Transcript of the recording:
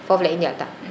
fof le i njalta